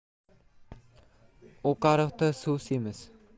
o'qariqda suv semiz